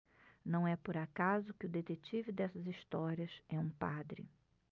não é por acaso que o detetive dessas histórias é um padre